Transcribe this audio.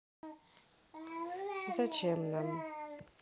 зачем нам